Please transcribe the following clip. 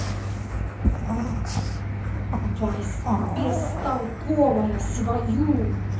vice бестолковая свою